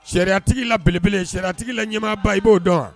Sariyaya tigi la belebele sariya tigila ɲɛmaaba i b'o dɔn